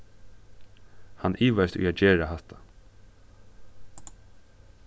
hann ivaðist í at gera hatta